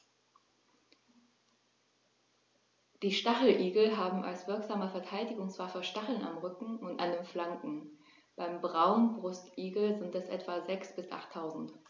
Die Stacheligel haben als wirksame Verteidigungswaffe Stacheln am Rücken und an den Flanken (beim Braunbrustigel sind es etwa sechs- bis achttausend).